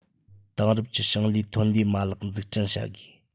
དེང རབས ཀྱི ཞིང ལས ཐོན ལས མ ལག འཛུགས སྐྲུན བྱ དགོས